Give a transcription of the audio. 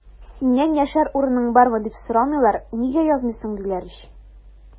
Синнән яшәр урының бармы, дип сорамыйлар, нигә язмыйсың, диләр ич!